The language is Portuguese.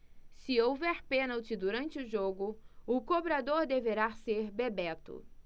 se houver pênalti durante o jogo o cobrador deverá ser bebeto